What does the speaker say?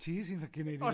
Ti sy'n fucking neud iddi...